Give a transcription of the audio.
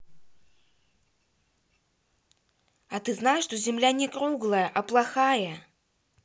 а ты знал что земля не круглая она плохая